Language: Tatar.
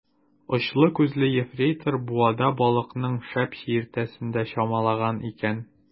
Очлы күзле ефрейтор буада балыкның шәп чиертәсен дә чамалаган икән.